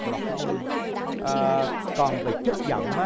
lọt xuống mương ờ còn về chất giọng